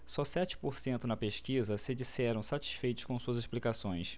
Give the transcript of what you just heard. só sete por cento na pesquisa se disseram satisfeitos com suas explicações